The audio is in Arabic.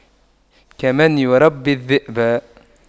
كمن يربي الذئب